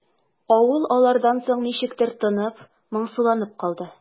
Авыл алардан соң ничектер тынып, моңсуланып калды.